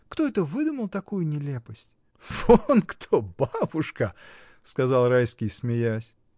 Кто это выдумал такую нелепость!. — Вон кто, бабушка! — сказал Райский, смеясь.